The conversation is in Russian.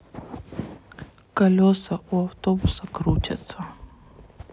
колеса у автобуса крутятся